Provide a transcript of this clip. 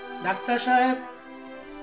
doctor Saheb